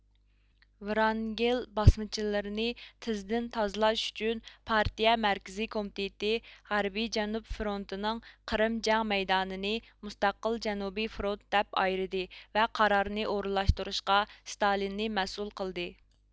ۋرانگېل باسمىچىلىرىنى تېزدىن تازىلاش ئۈچۈن پارتىيە مەركىزىي كومىتېتى غەربىي جەنۇب فرونتىنىڭ قىرىم جەڭ مەيدانىنى مۇستەقىل جەنۇبىي فرونىت دەپ ئايرىدى ۋە قارارنى ئورۇنلاشتۇرۇشقا ستالىننى مەسئۇل قىلدى